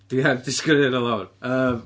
Dwi heb 'di sgwennu hynna lawr, yym...